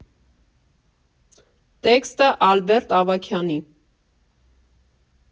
Տեքստը՝ Ալբերտ Ավագյանի։